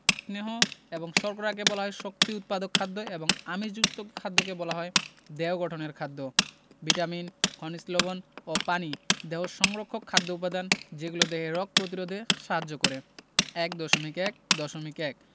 স্নেহ এবং শর্করাকে বলা হয় শক্তি উৎপাদক খাদ্য এবং আমিষযুক্ত খাদ্যকে বলা হয় দেহ গঠনের খাদ্য ভিটামিন খনিজ লবন ও পানি দেহ সংরক্ষক খাদ্য উপাদান যেগুলো দেহের রগ প্রতিরোধে সাহায্য করে ১.১.১